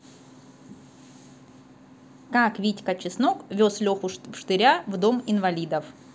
как витька чеснок вез леху в штыря в дом инвалидов